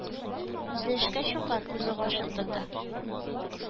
Үзе эшкә чумган, үзе гашыйк тота